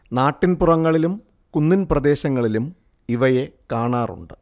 നാട്ടിൻ പുറങ്ങളിലും കുന്നിൻ പ്രദേശങ്ങളിലും ഇവയെ കാണാറുണ്ട്